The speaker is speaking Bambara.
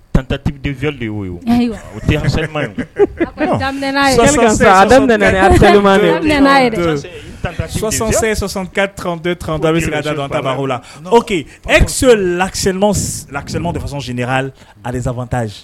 Tantatigi de la e la la sunjata hali alizsabanta